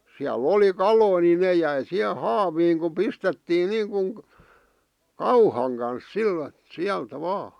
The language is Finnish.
siellä oli kaloja niin ne jäi siihen haaviin kun pistettiin niin kuin kauhan kanssa - sieltä vain